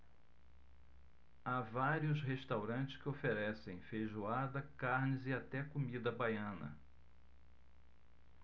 há vários restaurantes que oferecem feijoada carnes e até comida baiana